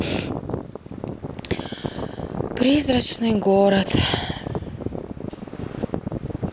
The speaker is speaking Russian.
призрачный город